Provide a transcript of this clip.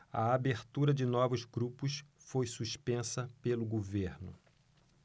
a abertura de novos grupos foi suspensa pelo governo